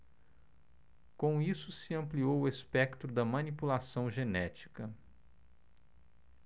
com isso se ampliou o espectro da manipulação genética